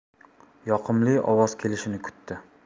yoqimli ovoz kelishini kutdi